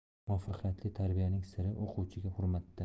muvaffaqiyatli tarbiyaning siri o'quvchiga hurmatda